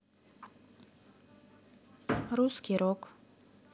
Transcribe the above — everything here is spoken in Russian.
русский рок